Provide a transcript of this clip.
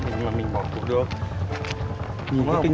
mà mình bỏ cuộc được đúng không